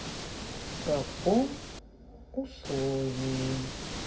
каком условии